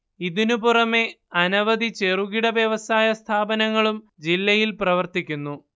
ഇതിനു പുറമേ അനവധി ചെറുകിട വ്യവസായ സ്ഥാപനങ്ങളും ജില്ലയില്‍ പ്രവര്‍ത്തിക്കുന്നു